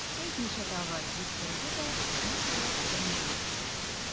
Әйтмичә тагы,- дип торды да, ниһаять, тынды.